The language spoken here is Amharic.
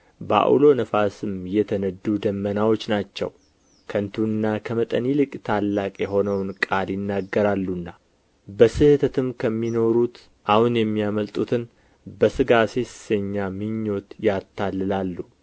በዐውሎ ነፋስም የተነዱ ደመናዎች ናቸው ከንቱና ከመጠን ይልቅ ታላቅ የሆነውን ቃል ይናገራሉና በስሕተትም ከሚኖሩት አሁን የሚያመልጡትን በሥጋ ሴሰኛ ምኞት ያታልላሉ